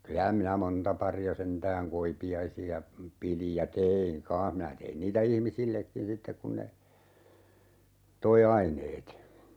kyllä minä monta paria sentään koipiaisia pidin ja tein kanssa minä tein niitä ihmisillekin sitten kun ne toi aineet